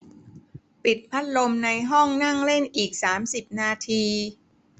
ปิดพัดลมในห้องนั่งเล่นอีกสามสิบนาที